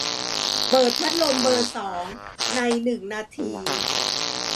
เปิดพัดลมเบอร์สองในหนึ่งนาที